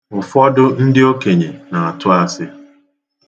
Ụfọdụ ndị okenye na-atụ asị.